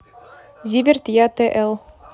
зиверт я т л